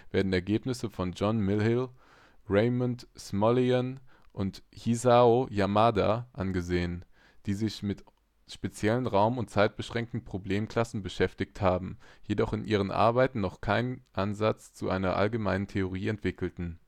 werden Ergebnisse von John Myhill (1960), Raymond Smullyan (1961) und Hisao Yamada (1962) angesehen, die sich mit speziellen raum - und zeitbeschränkten Problemklassen beschäftigt haben, jedoch in ihren Arbeiten noch keinen Ansatz zu einer allgemeinen Theorie entwickelten